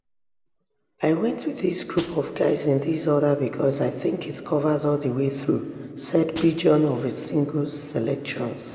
"I went with this group of guys in this order because I think it covers all the way through," said Bjorn of his singles selections.